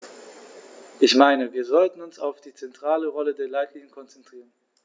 Ich meine, wir sollten uns auf die zentrale Rolle der Leitlinien konzentrieren.